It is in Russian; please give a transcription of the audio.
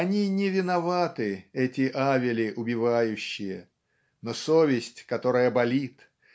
Они не виноваты, эти Авели убивающие. Но совесть которая болит